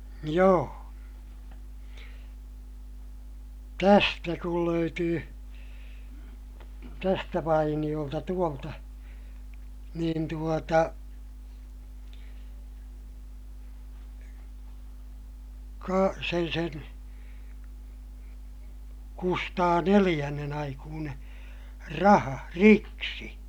joo tästä kun löytyi tästä vainiolta tuolta niin tuota - sen sen Kustaa neljännen aikuinen raha riksi